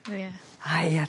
Haia. Haia...